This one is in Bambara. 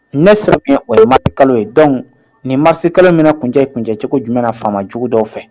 Ne siran tun yɛ, o ye marisikalo ye. Donc nin marisikalo bɛna kun cɛ ,kun cɛ cogo jumɛn na faama jugu dɔw fɛ.